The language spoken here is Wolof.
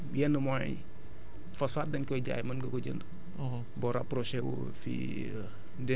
bu dee tamit am nga yenn moyens yi phosphate dañ koy jaay mën nga ko jënd